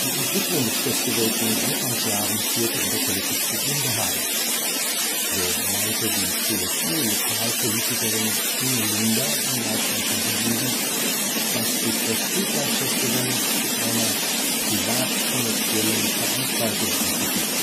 Entwicklung des Festivals in den Anfangsjahren führte in der Politik zu Unbehagen. So meinte die CSU-Lokalpolitikerin Inge Linder im Jahr 2007, dass sich das Streetlife Festival zu einer „ privat-kommerzielle [n] Veranstaltung “entwickelt